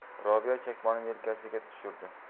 robiya chakmonni yelkasiga tushirdi